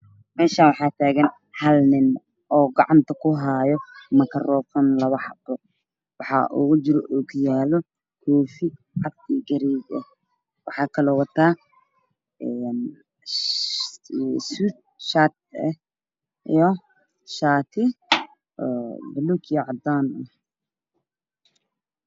Meeshaan waxaa taagan hal nin oo labo makaroofan gacanta kuhayo waxaa ugu jiro ookiyaalo koofi cad iyo garee ah waxuu kaloo wataa suud iyo shaati buluug iyo cadaan ah.